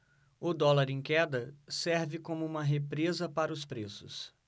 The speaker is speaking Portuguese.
o dólar em queda serve como uma represa para os preços